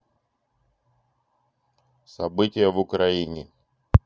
события в украине